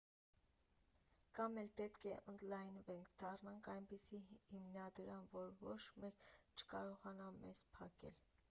Կա՛մ էլ պետք է ընդլայնվենք, դառնանք այնպիսի հիմնադրամ, որ ոչ մեկ չկարողանա մեզ փակել.